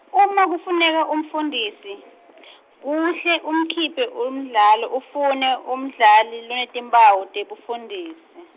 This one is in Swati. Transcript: uma kufuneka umfundisi , kuhle umkhiphi mdlalo afune umdlali lonetimphawu tebufundisi.